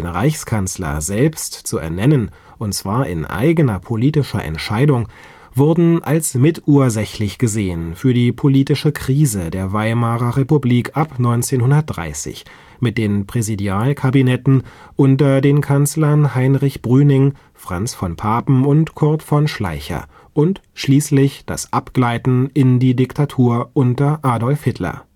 Reichskanzler selbst zu ernennen und zwar in eigener politischer Entscheidung, wurden als mitursächlich gesehen für die politische Krise der Weimarer Republik ab 1930 mit den Präsidialkabinetten unter den Kanzlern Heinrich Brüning, Franz von Papen und Kurt von Schleicher und schließlich das Abgleiten in die Diktatur unter Adolf Hitler